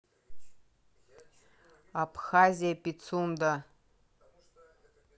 абхазия пицунда